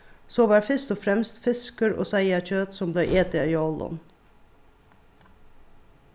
so var tað fyrst og fremst fiskur og seyðakjøt sum bleiv etið á jólum